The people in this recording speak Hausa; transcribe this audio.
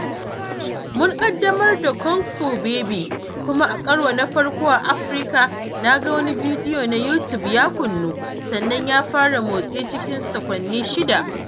Mun ƙaddamar da Kung Fu Baby, kuma a karo na farko a Afirka, na ga wani bidiyo na YouTube ya kunnu sannan ya fara mosti cikin sakwanni 6.